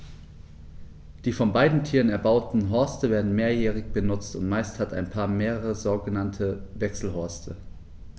Die von beiden Tieren erbauten Horste werden mehrjährig benutzt, und meist hat ein Paar mehrere sogenannte Wechselhorste.